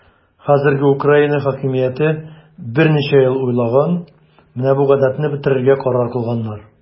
Хәзерге Украина хакимияте берничә ел уйлаган, менә бу гадәтне бетерергә карар кылганнар.